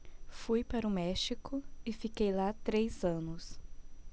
fui para o méxico e fiquei lá três anos